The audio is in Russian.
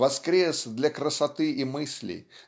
воскрес для красоты и мысли